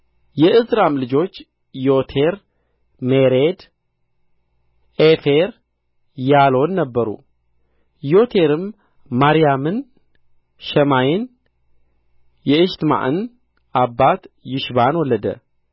የዕዝራም ልጆች ዬቴር ሜሬድ ዔፌር ያሎን ነበሩ ዬቴርም ማርያምን ሸማይን የኤሽትምዓን አባት ይሽባን ወለደ